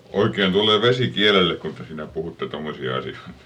oikein tulee vesi kielelle kun te siinä puhutte tuommoisia asioita